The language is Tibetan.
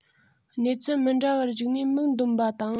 གནས ཚུལ མི འདྲ བར གཞིགས ནས མིག འདོན པ དང